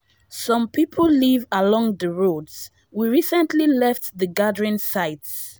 Some people live along the roads, we recently left the gathering sites.